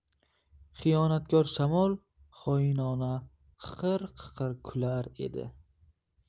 xiyonatkor shamol xoinona qiqir qiqir kular edi